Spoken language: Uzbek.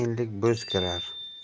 enlik bo'z kirar